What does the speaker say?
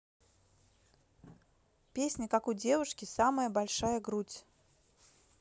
песня как у девушки самая большая грудь